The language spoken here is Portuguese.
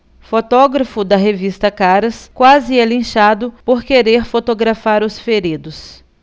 fotógrafo da revista caras quase é linchado por querer fotografar os feridos